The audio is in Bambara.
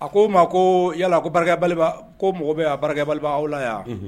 A ko n ma koo yala ko baara kɛ bali, mɔgɔ bɛ yan baara kɛ bali b'aw la yan?